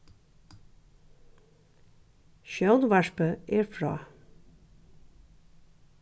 sjónvarpið er frá